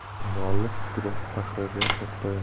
muallif fikri tahririyat nuqtai